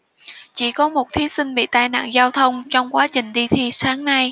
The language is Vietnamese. chỉ có một thí sinh bị tai nạn giao thông trong quá trình đi thi sáng nay